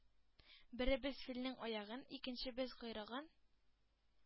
Беребез – филнең аягын, икенчебез – койрыгын,